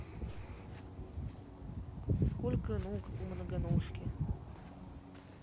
сколько ног у многоножки